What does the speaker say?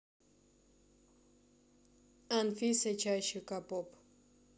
анфисой чаще капоп